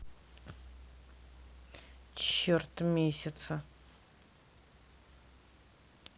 черт месяца